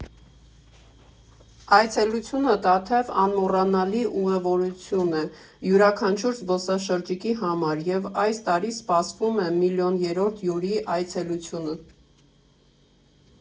Այցելությունը Տաթև անմոռանալի ուղևորություն է յուրաքանչյուր զբոսաշրջիկի համար և այս տարի սպասվում է միլիոներորդ հյուրի այցելությունը.